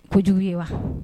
Jugu ye wa